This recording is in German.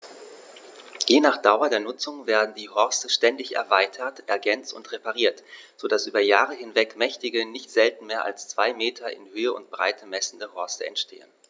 Je nach Dauer der Nutzung werden die Horste ständig erweitert, ergänzt und repariert, so dass über Jahre hinweg mächtige, nicht selten mehr als zwei Meter in Höhe und Breite messende Horste entstehen.